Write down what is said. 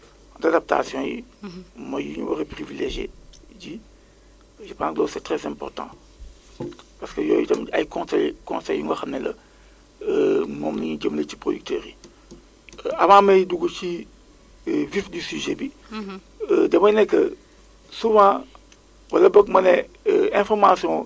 jote wuñ sax xëy na peut être ci télévision parce fu mu la fekk dafay sori mais à travers :ra les projets et programmes yi nga xamante ni moom la ñu am ñu mel ni waa 4R ñu mel ni ay Proval ak yeneen ak yeneen jàppale nit ñi ba nga xamante ne bi au niveau de de note service am nañu benn base bi nga xamante ni bii ay numéros de téléphones yi ça fait plus de mille